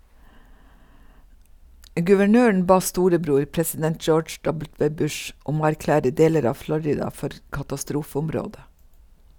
Guvernøren ba storebror, president George W. Bush, om å erklære deler av Florida for katastrofeområde.